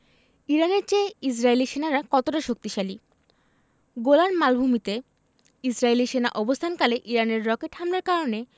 ইরানের চেয়ে ইসরায়েলি সেনারা কতটা শক্তিশালী গোলান মালভূমিতে ইসরায়েলি সেনা অবস্থানকালে ইরানের রকেট হামলার কারণে